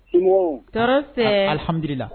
Ɔ taara se alihamila